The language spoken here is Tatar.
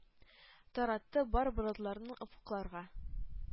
Таратты бар болытларны офыкларга.